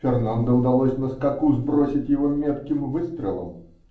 Фернандо удалось на скаку сбросить его метким выстрелом.